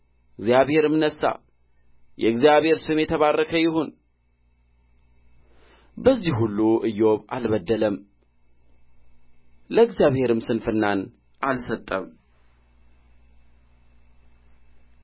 እግዚአብሔርም ነሣ የእግዚአብሔር ስም የተባረከ ይሁን በዚህ ሁሉ ኢዮብ አልበደለም ለእግዚአብሔርም ስንፍናን አልሰጠም